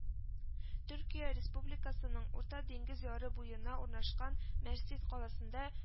Төркия Республикасының Урта диңгез яры буена урнашкан Мәрсин каласында